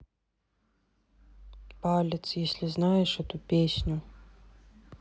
палец если знаешь эту песню